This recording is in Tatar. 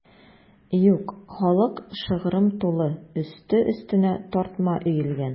Юк, халык шыгрым тулы, өсте-өстенә тартма өелгән.